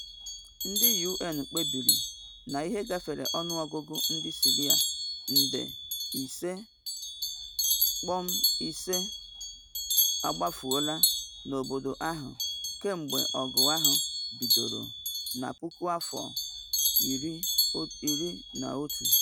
Ndị UN kpebiri na ihe gafere ọnụọgụgụ ndị Syria nde 5.5 agbafuola n’obodo ahụ kemgbe ọgụ ahụ bidoro na 2011.